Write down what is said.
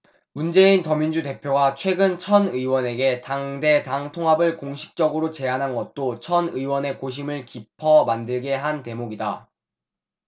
문재인 더민주 대표가 최근 천 의원에게 당대 당 통합을 공식적으로 제안한 것도 천 의원의 고심을 깊어 만들게 한 대목이다